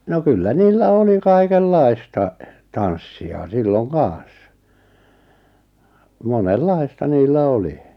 no kyllä niillä oli kaikenlaista tanssia silloin kanssa monenlaista niillä oli